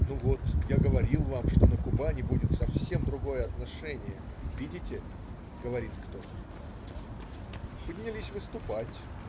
"Ну вот, я говорил вам, что на Кубани будет совсем другое отношение, видите",- говорит кто-то. Поднялись выступать.